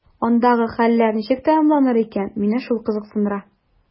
Андагы хәлләр ничек тәмамланыр икән – мине шул кызыксындыра.